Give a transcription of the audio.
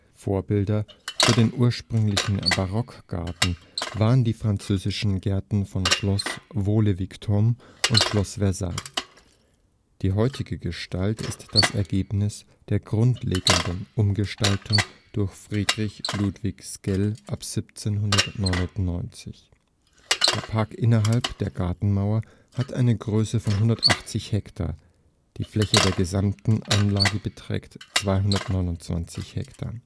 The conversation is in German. Vorbilder für den ursprünglichen Barockgarten waren die französischen Gärten von Schloss Vaux-le-Vicomte und Schloss Versailles. Die heutige Gestalt ist das Ergebnis der grundlegenden Umgestaltung durch Friedrich Ludwig Sckell ab 1799. Der Park innerhalb der Gartenmauer hat eine Größe von 180 Hektar, die Fläche der gesamten Anlage beträgt 229 Hektar